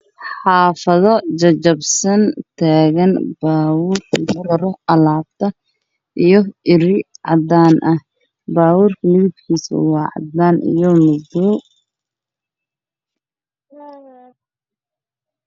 Xaafado jajabsan iyo wado maraayo baabuur midabkiisa yahay cadan